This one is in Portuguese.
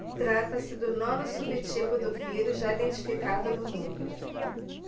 trata-se do nono subtipo do vírus já identificado no mundo